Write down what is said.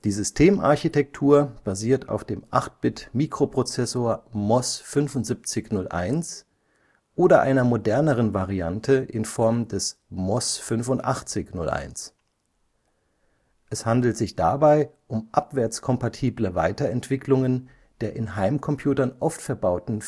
Systemarchitektur basiert auf dem 8-Bit-Mikroprozessor MOS 7501 oder einer moderneren Variante in Form des MOS 8501. Es handelt sich dabei um abwärtskompatible Weiterentwicklungen der in Heimcomputern oft verbauten